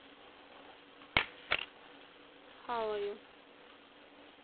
хаваю